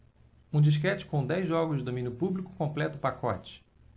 um disquete com dez jogos de domínio público completa o pacote